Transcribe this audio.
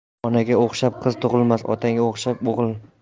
onaga o'xshab qiz tug'ilmas otaga o'xshab o'g'il